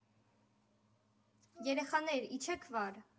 Երեխաներ, իջեք վար։